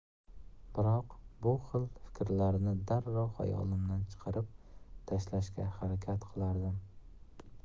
biroq bu xil fikrlarni darrov xayolimdan chiqarib tashlashga harakat qilardim